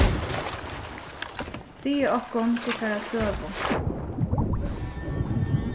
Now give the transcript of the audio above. sigið okkum tykkara søgu